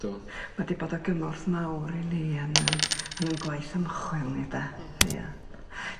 ...do. Ma' 'di bod o gymorth mawr i ni yn 'yn yn 'yn gwaith ymchwil ni 'de? Ie. Ia. ...